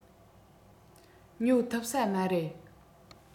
ཉོ ཐུབ ས མ རེད